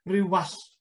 ryw wall